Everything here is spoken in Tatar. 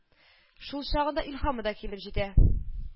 Шул чагында илһамы да килеп җитә